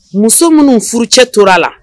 Muso minnu furu cɛ tora la